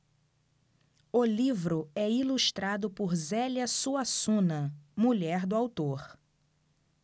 o livro é ilustrado por zélia suassuna mulher do autor